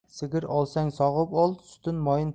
sigir olsang sog'ib ol sutin moyin